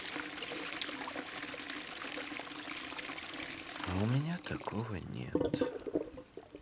а у меня такого нет